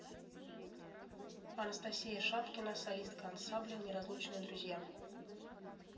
анастасия шапкина солистка ансамбля неразлучные друзья